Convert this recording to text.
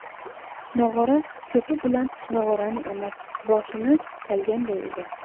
nog'ora cho'pi bilan nog'orani emas boshini chalganday edi